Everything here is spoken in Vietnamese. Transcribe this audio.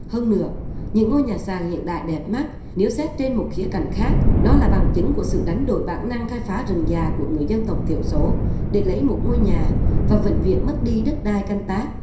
hơn nữa những ngôi nhà sàn hiện đại đẹp mắt nếu xét trên một khía cạnh khác nó là bằng chứng của sự đánh đổi bản năng khai phá rừng già của người dân tộc thiểu số để lấy một ngôi nhà và vĩnh viễn mất đi đất đai canh tác